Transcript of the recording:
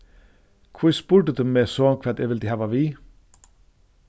hví spurdi tú meg so hvat eg vildi hava við